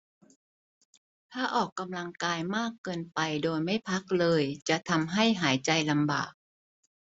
ถ้าออกกำลังกายมากเกินไปโดยไม่พักเลยจะทำให้หายใจลำบาก